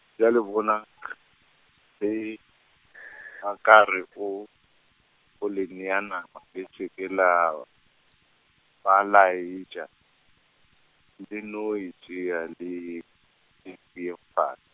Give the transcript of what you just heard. bjale bona g- ge , a ka re o, o le nea nama le seke la, ba la e ja, le no e tšea, le e beeng fa-.